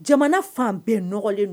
Jamana fan bɛɛ nɔgɔlen don